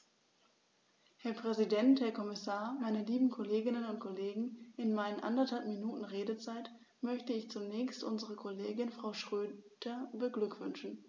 Herr Präsident, Herr Kommissar, meine lieben Kolleginnen und Kollegen, in meinen anderthalb Minuten Redezeit möchte ich zunächst unsere Kollegin Frau Schroedter beglückwünschen.